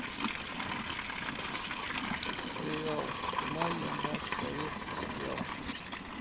сериал майя наш советский сериал